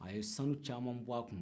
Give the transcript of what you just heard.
a ye sanu caman bɔ a kun